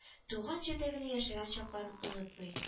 Туган җирдә генә яшәгән чакларын онытмый